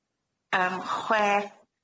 Yym chwe.